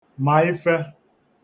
ma ifē